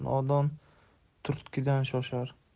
nodon turtkidan shoshar